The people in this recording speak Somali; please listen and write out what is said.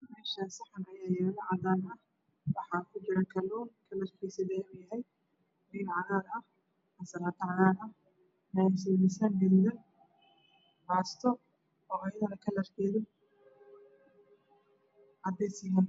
Meeshaan saxan ayaa yaala cadaan ah waxaa ku jira kaluun kalarkiisa dahabi yahay liin cagaar ah ansalaato cagaar ah yaanyo sibirsaan gaduudan baasto oo ayadane kalarkeedu cadays yahay.